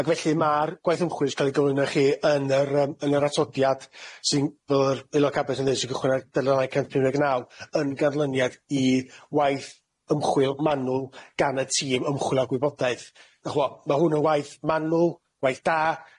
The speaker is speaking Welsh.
Ag felly ma'r gwaith ymchwil is ca'l ei gyflwyno i chi yn yr yym yn yr atodiad sy'n fel o'dd yr aelod cabinet sy'n ddeud sy'n cychwyn ar delaneg cymth pum deg naw yn ganlyniad i waith ymchwil manwl gan y tîm ymchwil a gwybodaeth. D'ch'mo' ma' hwn yn waith manwl waith da.